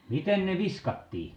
miten ne viskattiin